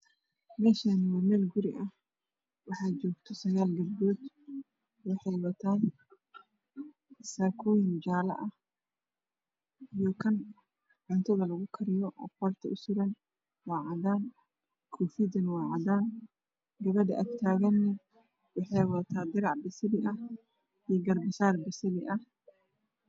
Meshaki waa mel guri ah waxaa jooga salaag gabdhood wexey xiran yihiin sakoyin cala ah iyo kan cuntata lagu kariyo kan qorta usuran waa cadan kofiyadana waa cadan